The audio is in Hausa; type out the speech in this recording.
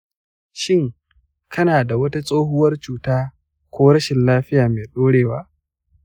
shin kana da wata tsohuwar cuta ko rashin lafiya mai dorewa